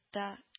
Да